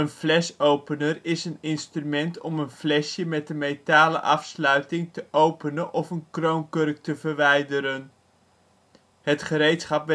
flesopener is een instrument om een een flesje met een metalen afsluiting te openen of een kroonkurk te verwijderen. Het gereedschap